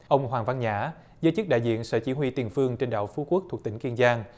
ông hoàng văn nhã giới chức đại diện sở chỉ huy tiền phương trên đảo phú quốc thuộc tỉnh kiên giang